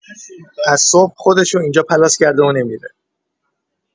از صبح خودشو اینجا پلاس کرده و نمی‌ره